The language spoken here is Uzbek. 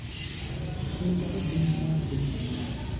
qo'llari bilinar bilinmas